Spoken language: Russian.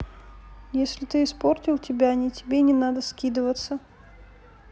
если ты испортил тебя не тебе не надо скидоваться